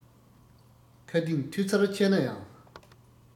མཁའ ལྡིང མཐུ རྩལ ཆེ ན ཡང